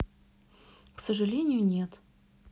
к сожалению нет